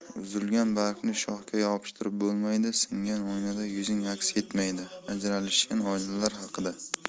uzilgan bargni shoxga yopishtirib bo'lmaydi singan oynada yuzing aks etmaydi ajralishgan oilalar haqida